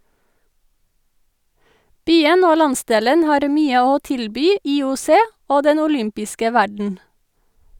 Byen og landsdelen har mye å tilby IOC og den olympiske verden.